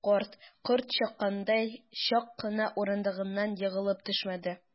Карт, корт чаккандай, чак кына урындыгыннан егылып төшмәде.